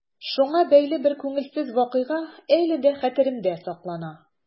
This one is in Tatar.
Шуңа бәйле бер күңелсез вакыйга әле дә хәтеремдә саклана.